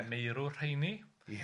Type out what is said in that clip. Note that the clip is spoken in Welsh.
A meirwr rheini? Ia.